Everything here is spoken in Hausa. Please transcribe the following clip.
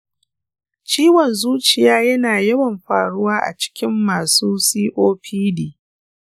ciwon zuciya yana yawan faruwa a cikin masu copd.